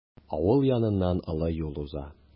Авыл яныннан олы юл уза.